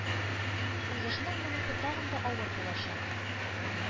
Узышның монысы тагын да авыр булачак,